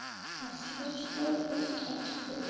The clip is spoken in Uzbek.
nasiba chuqur uf tortib qo'ydi